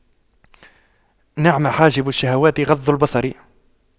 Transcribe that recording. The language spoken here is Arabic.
نعم حاجب الشهوات غض البصر